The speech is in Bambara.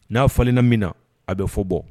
N'a falenna min na a bɛ fɔ bɔ